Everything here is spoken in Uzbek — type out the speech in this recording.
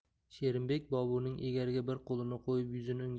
sherimbek boburning egariga bir qo'lini qo'yib